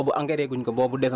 boobu engrais ngeen ko ba pare